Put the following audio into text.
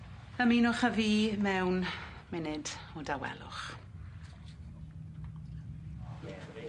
Ymunwch â fi mewn munud o dawelwch.